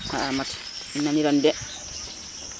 xa mat i nani ran de